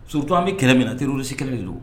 Surutura an bɛ kɛlɛ minɛ terirusi kɛlɛ de don